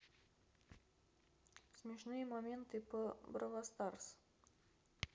смешные моменты по бравостарс